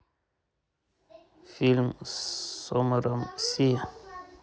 фильмы с омаром си